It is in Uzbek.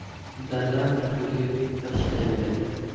dadam so'yib tashlaydi